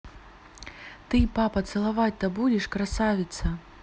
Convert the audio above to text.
ты папа целовать то будешь красавица